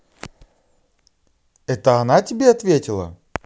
это она тебе ответила